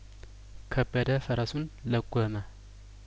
ከበደ ፈረሱን ለጐመ